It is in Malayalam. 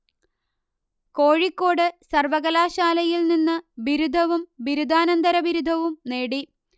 കോഴിക്കോട് സർവകലാശായിൽ നിന്ന് ബിരുദവും ബിരുദാനന്തര ബിരുദവും നേടി